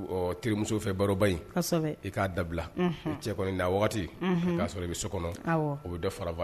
Terimuso fɛ baroba in i k'a dabila cɛ kɔni da waati k'a sɔrɔ i bɛ so kɔnɔ o bɛ da farafa